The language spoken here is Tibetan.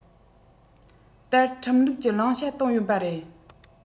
ལྟར ཁྲིམས ལུགས ཀྱི བླང བྱ བཏོན ཡོད པ རེད